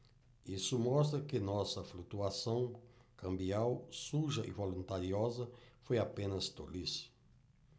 isso mostra que nossa flutuação cambial suja e voluntariosa foi apenas tolice